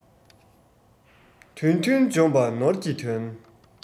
དོན མཐུན འཇོམས པ ནོར གྱི དོན